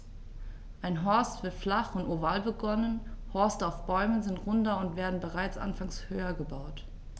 Ein Horst wird flach und oval begonnen, Horste auf Bäumen sind runder und werden bereits anfangs höher gebaut.